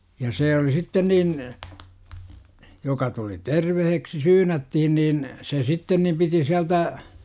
ja se oli sitten niin joka tuli terveeksi syynättiin niin se sitten niin piti sieltä